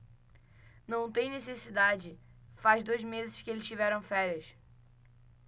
não tem necessidade faz dois meses que eles tiveram férias